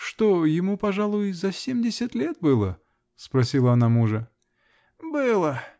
Что, ему, пожалуй, за семьдесят лет было? -- спросила она мужа. -- Было.